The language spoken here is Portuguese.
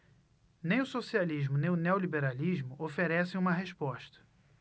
nem o socialismo nem o neoliberalismo oferecem uma resposta